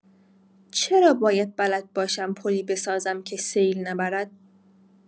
چرا باید بلد باشم پلی بسازم که سیل نبرد.